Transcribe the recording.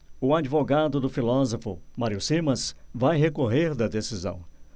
o advogado do filósofo mário simas vai recorrer da decisão